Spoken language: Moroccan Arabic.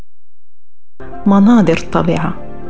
مناظر طبيعه